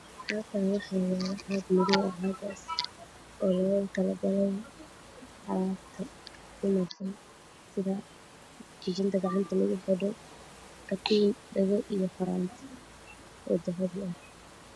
Meeshaan waxaa yaalo caag madow oo lugu talagalay dahabka sida katiinka jijinta iyo faraantiga.